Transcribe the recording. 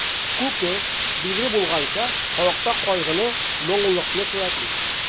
Күке, билгеле булганча, халыкта кайгыны, моңлылыкны сурәтли.